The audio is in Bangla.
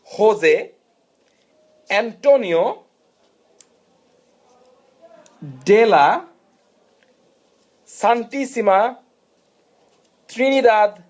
Jose Antonio de la Santisima Trinidad